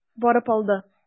Барып алды.